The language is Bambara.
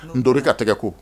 Nto ka tɛgɛ ko